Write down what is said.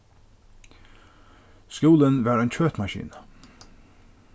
skúlin var ein kjøtmaskina